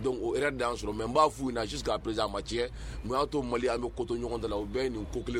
Sɔrɔ mɛ b'a f' pza cɛ y'a to mali an bɛ kotoɲɔgɔn ɲɔgɔn ta la u bɛɛ ye nin ko